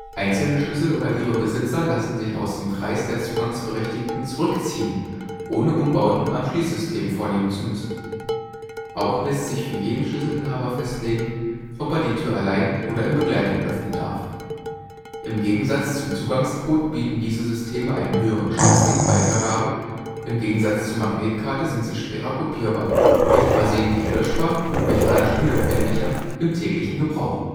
Einzelne Schlüssel oder ihre Besitzer lassen sich aus dem Kreis der Zugangsberechtigten zurückziehen, ohne Umbauten am Schließsystem vornehmen zu müssen. Auch lässt sich für jeden Schlüsselinhaber festlegen, ob er die Tür allein oder in Begleitung öffnen darf. Im Gegensatz zum Zugangscode bieten diese Systeme einen höheren Schutz gegen Weitergabe, im Gegensatz zur Magnetkarte sind sie schwerer kopierbar, nicht versehentlich löschbar und mechanisch unempfindlicher im täglichen Gebrauch